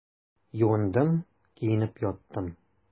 Юындым, киенеп яттым.